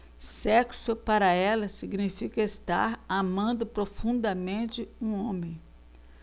sexo para ela significa estar amando profundamente um homem